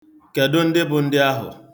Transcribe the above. Kedụ ndị bụ ndị ahụ?